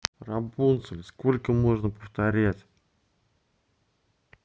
рапунцель сколько можно повторять